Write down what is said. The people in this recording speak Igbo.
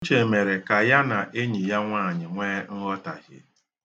Uche mere ka ya na enyi ya nwaanyị nwee nghọtahie.